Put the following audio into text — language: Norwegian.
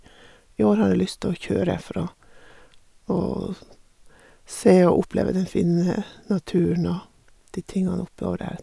I år har jeg lyst å kjøre, for å å sn se og oppleve den fine naturen og de tingene oppover der.